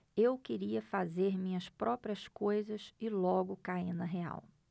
eu queria fazer minhas próprias coisas e logo caí na real